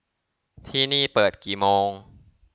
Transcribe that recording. ที่นี่เปิดกี่โมง